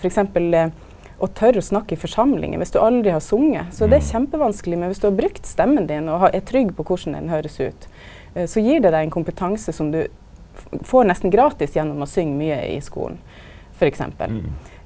f.eks. det å tora å snakka i forsamlingar, viss du aldri har sunge så er det kjempevanskeleg, men viss du har brukt stemma di og er trygg på korleis den høyrest ut, så gir det deg ein kompetanse som du får nesten gratis gjennom å synga mykje i skulen for eksempel.